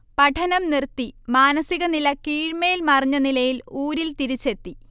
പഠനം നിർത്തി, മാനസികനില കീഴ്‌മേൽ മറിഞ്ഞനിലയിൽ ഊരിൽ തിരിച്ചെത്തി